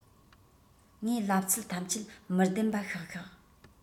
ངས ལབ ཚད ཐམས ཅད མི བདེན པ ཤག ཤག